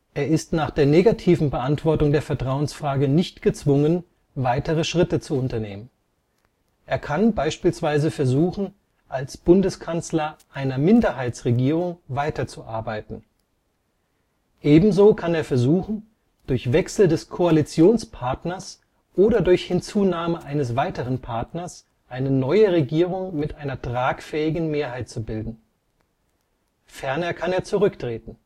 Er ist nach der negativen Beantwortung der Vertrauensfrage nicht gezwungen, weitere Schritte zu unternehmen. Er kann beispielsweise versuchen, als Bundeskanzler einer Minderheitsregierung weiterzuarbeiten. Ebenso kann er versuchen, durch Wechsel des Koalitionspartners oder durch Hinzunahme eines weiteren Partners eine neue Regierung mit einer tragfähigen Mehrheit zu bilden. Ferner kann er zurücktreten